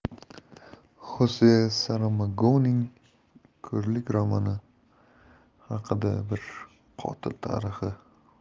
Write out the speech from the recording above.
xose saramagoning ko'rlik romani haqidabir qotil tarixi